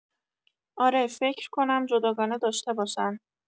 اره فکر کنم جداگانه داشته باشن